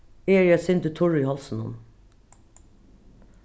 eg eri eitt sindur turr í hálsinum